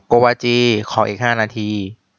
โกวาจีขออีกห้านาที